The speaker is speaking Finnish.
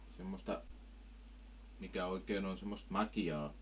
semmoista mikä oikein on semmoista makeaa